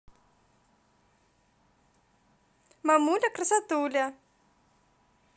мамуля красотуля